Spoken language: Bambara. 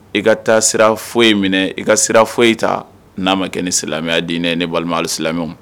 I ka taa sira foyi ye minɛ i ka sira foyi ye ta n'a ma kɛ ni silamɛya diinɛ ye ne balima silamɛ